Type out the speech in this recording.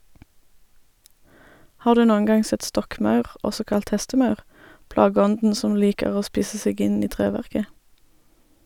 Har du noen gang sett stokkmaur, også kalt hestemaur, plageånden som liker å spise seg inn i treverket?